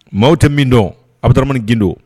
Maaw tɛ min dɔn, Abudaramani Gindo